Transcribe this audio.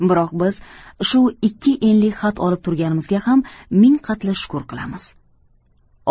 biroq biz shu ikki enlik xat olib turganimizga ham ming qatla shukr qilamiz